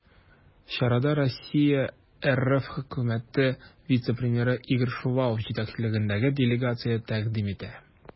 Чарада Россияне РФ Хөкүмәте вице-премьеры Игорь Шувалов җитәкчелегендәге делегация тәкъдим итә.